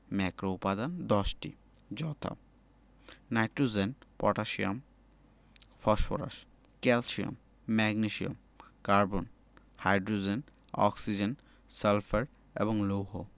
ম্যাক্রোউপাদান 10টি যথা nitrogen potassium phosphorus calcium magnesium carbon hydrogen oxygen sulphur এবং লৌহ